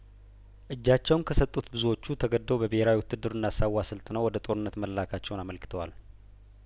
እጃቸውን ከሰጡት ብዙዎቹ ተገደው በብሄራዊ ውትድርና ሳዋ ሰልጥነው ወደ ጦርነት መላካቸውን አመልክተዋል